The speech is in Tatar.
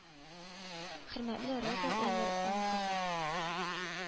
Хөрмәтле Роза Әмир ан кызы